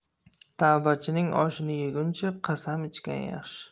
tavbachining oshini yeguncha qasam ichgan yaxshi